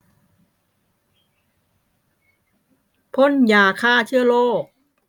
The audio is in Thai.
พ่นยาฆ่าเชื้อโรค